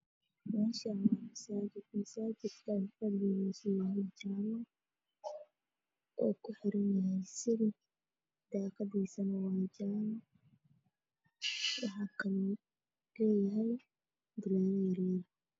Waxaa ii muuqda masaajid kalarkiisu yahay qaxooy waxaa ka egtahay ber-dheer siligaal